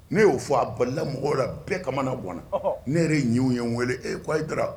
Ne y'o fɔ a balila mɔgɔw la bɛɛ kamana ganna, ɔhɔ, ne yɛrɛ ɲinw ye n wele e ko hayidara